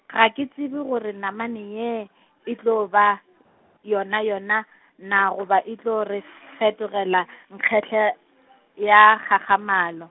ga re tsebe gore namane ye, e tlo ba yonayona, na goba e tlo re fetogela nkgele, ya kgakgamalo.